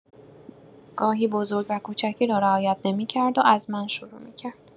گاهی بزرگ و کوچکی را رعایت نمی‌کرد و از من شروع می‌کرد.